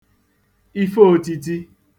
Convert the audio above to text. ifeōtītī